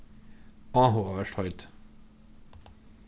áhugavert heiti